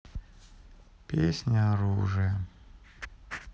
песня оружие